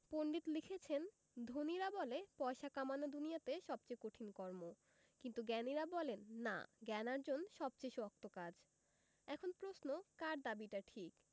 পণ্ডিত লিখেছেন ধনীরা বলে পয়সা কামানো দুনিয়াতে সবচেয়ে কঠিন কর্ম কিন্তু জ্ঞানীরা বলেন না জ্ঞানার্জন সবচেয়ে শক্ত কাজ এখন প্রশ্ন কার দাবিটা ঠিক